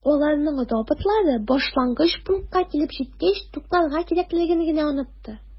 Аларның роботлары башлангыч пунктка килеп җиткәч туктарга кирәклеген генә “онытты”.